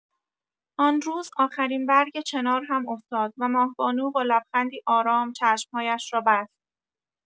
آن روز، آخرین برگ چنار هم افتاد و ماه‌بانو با لبخندی آرام چشم‌هایش را بست.